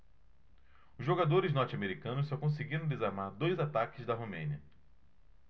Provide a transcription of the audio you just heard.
os jogadores norte-americanos só conseguiram desarmar dois ataques da romênia